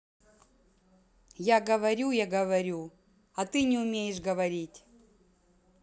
я говорю я говорю а ты не умеешь говорить